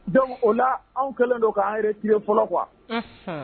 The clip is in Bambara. Dɔnku o la anw kɛlen don k'an yɛrɛ tile fɔlɔ qu